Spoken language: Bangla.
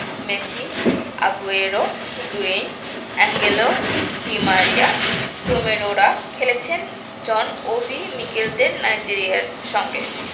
Messi Aguero Higuain Angel Di Maria রোমেরোরা খেলেছিলেন জন ওবি মিকেলদের নাইজেরিয়ার সঙ্গে